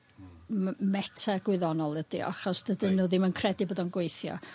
Hmm. ...m- meta gwyddonol ydi o achos dydyn nw... Reit. ...ddim yn credu bod o'n gweithio.